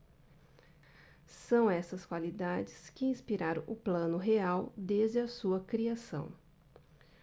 são essas qualidades que inspiraram o plano real desde a sua criação